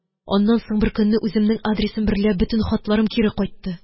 Аннан соң беркөнне үземнең адресым берлә бөтен хатларым кире кайтты